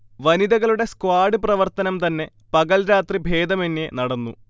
വനിതകളുടെ സ്ക്വാഡ് പ്രവർത്തനം തന്നെ പകൽരാത്രി ഭേദമന്യേ നടന്നു